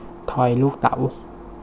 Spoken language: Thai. ทอยลูกเต๋า